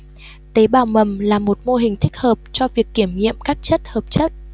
tế bào mầm là một mô hình thích hợp cho việc kiểm nghiệm các chất hợp chất